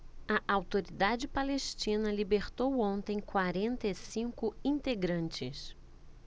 a autoridade palestina libertou ontem quarenta e cinco integrantes